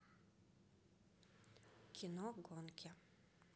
кино гонки